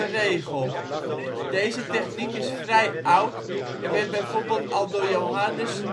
regel. Deze techniek is vrij oud en werd bijvoorbeeld al door Johannes